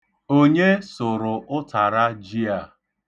Onye sụrụ ụtara ji a?